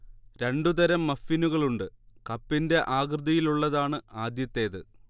രണ്ടു തരം മഫ്ഫിനുകളുണ്ട്, കപ്പിന്റെ ആകൃതിയിലുള്ളതാണ് ആദ്യത്തേത്